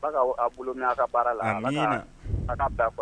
Boloa ka baara la a' taa